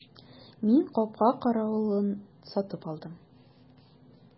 Мин капка каравылын сатып алдым.